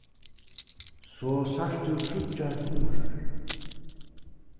so sært tú tríggjar hurðar